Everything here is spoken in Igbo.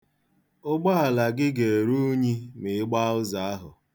Ụgbaala gị ga-eru unyi ma ị gbaa ụzọ ahụ.